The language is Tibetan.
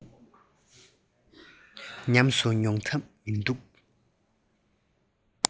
ཉམས སུ མྱོང ཐབས མི འདུག